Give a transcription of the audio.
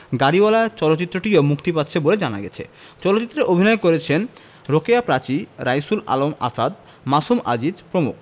গাড়িওয়ালা চলচ্চিত্রটিও মুক্তি পাচ্ছে বলে জানা গেছে চলচ্চিত্রে অভিনয় করেছেন রোকেয়া প্রাচী রাইসুল আলম আসাদ মাসুম আজিজ প্রমুখ